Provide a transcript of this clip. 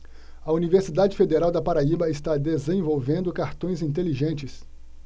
a universidade federal da paraíba está desenvolvendo cartões inteligentes